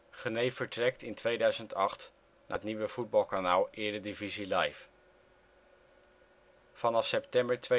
Genee vertrekt in 2008 naar het nieuwe voetbalkanaal Eredivisie Live. Vanaf september